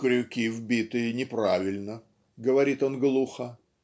"Крюки вбиты неправильно, - говорит он глухо.